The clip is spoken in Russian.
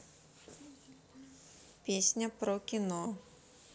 песня про кино